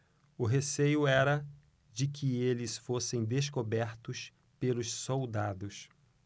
o receio era de que eles fossem descobertos pelos soldados